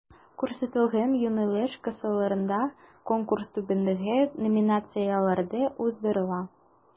Күрсәтелгән юнәлеш кысаларында Конкурс түбәндәге номинацияләрдә уздырыла: